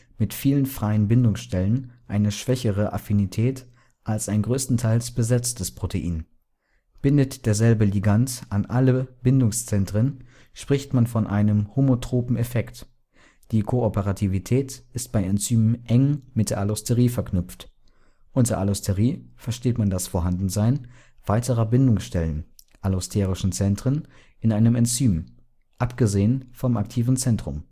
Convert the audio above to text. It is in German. mit vielen freien Bindungsstellen eine schwächere Affinität als ein größtenteils besetztes Protein. Bindet derselbe Ligand an alle Bindungszentren, spricht man von einem homotropen Effekt. Die Kooperativität ist bei Enzymen eng mit der Allosterie verknüpft. Unter Allosterie versteht man das Vorhandensein weiterer Bindungsstellen (allosterischen Zentren) in einem Enzym, abgesehen vom aktiven Zentrum